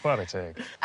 Whare teg.